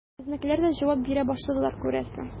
Безнекеләр дә җавап бирә башладылар, күрәсең.